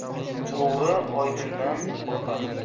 o'g'ri oydindan qo'rqar